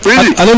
oui `